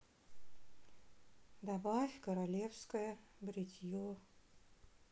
добавь королевское бритье